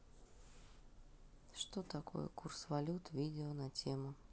что такое курс валют видео на тему